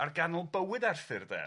ar ganol bywyd Arthur, 'de? Reit.